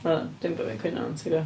Wel dim bod fi'n cwyno ond tibod.